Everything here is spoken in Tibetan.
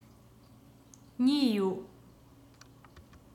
གཉིས ཡོད